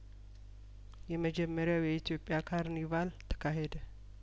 የመጀመሪያው የኢትዮጵያ ካርኒ ቫል ተካሄደ